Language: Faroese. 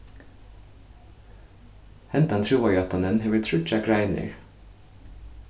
hendan trúarjáttanin hevur tríggjar greinir